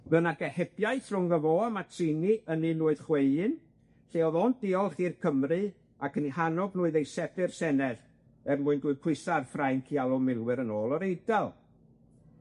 Fe nath gohebiaeth rhwngddo fo a Mazzini yn un wyth chwe un, lle o'dd o'n diolch i'r Cymry ac yn 'u hanog nw i ddeisebu'r Senedd er mwyn gweud pwysa' ar Ffrainc i alw milwyr yn ôl o'r Eidal.